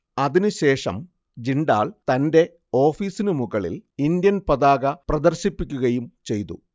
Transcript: അതിനു ശേഷം ജിണ്ടാൽ തന്റെ ഓഫീസിനു മുകളിൽ ഇന്ത്യൻ പതാക പ്രദർശിപ്പിക്കുകയും ചെയ്തു